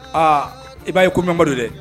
Aa i b'a ye komadu dɛɛ